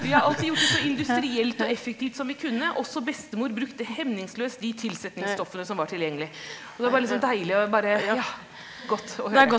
vi har alltid gjort det så industrielt og effektivt som vi kunne, også bestemor brukte hemningsløst de tilsetningsstoffene som var tilgjengelig, og det var liksom deilig å bare godt å høre.